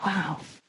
Waw.